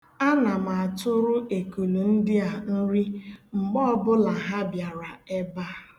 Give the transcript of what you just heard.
Ana m atụrụ ekulu ndị a nri mgbe ọbụla ha bịara ebe a.